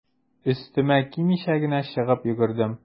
Өстемә кимичә генә чыгып йөгердем.